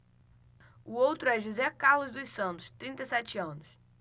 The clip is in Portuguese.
o outro é josé carlos dos santos trinta e sete anos